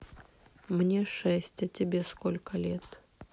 мне шесть а тебе сколько лет